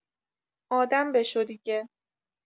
آدم بشو دیگه!